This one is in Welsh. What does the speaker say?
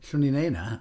Allwn ni wneud 'na.